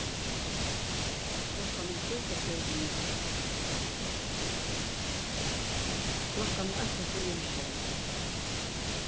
tíggju klokkan er trý korter til níggju klokkan er eitt korter yvir sjey